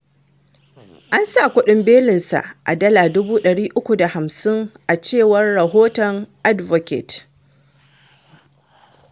An sa kuɗin belinsa a dala 350,000, a cewar rahoton Advocate.